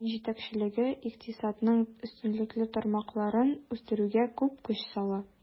Район җитәкчелеге икътисадның өстенлекле тармакларын үстерүгә күп көч сала.